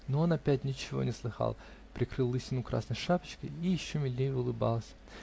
Но он опять ничего не слыхал, прикрыл лысину красной шапочкой и еще милее улыбался.